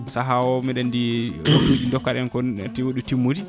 saaha o mbiɗa andi ko dokka ɗen ko natti woɗɗi timmude